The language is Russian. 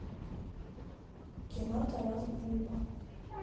кино тарас бульба